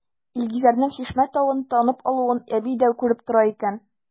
Илгизәрнең Чишмә тавын танып алуын әби дә күреп тора икән.